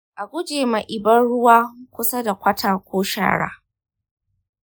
a guje ma ibar ruwa kusa da kwata ko shara